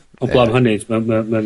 Ond blaw hynny ma' mae o ma'n...